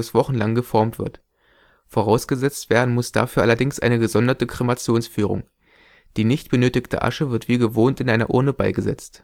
wochenlang geformt wird. Vorausgesetzt werden muss dafür allerdings eine gesonderte Kremationsführung. Die nicht benötigte Asche wird „ wie gewohnt “in einer Urne beigesetzt